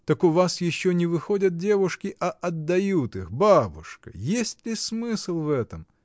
— Так у вас еще не выходят девушки, а отдают их, — бабушка! Есть ли смысл в этом.